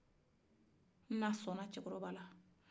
ina sɔnna cɛkɔrɔbala